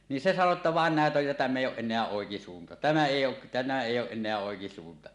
niin se sanoi jotta vain näet on ja tämä ei ole enää oikisuunta tämä ei ole tämä ei ole enää oikisuunta